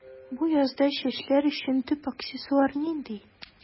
Бу язда чәчләр өчен төп аксессуар нинди?